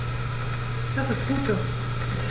Das ist gut so.